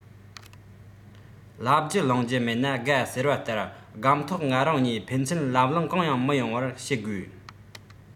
ལབ རྒྱུ གླེང རྒྱུ མེད ན དགའ ཟེར བ ལྟར སྒབས ཐོག ང རང གཉིས ཕན ཚུན ལབ གླེང གང ཡང མི ཡོང བར བྱེད དགོས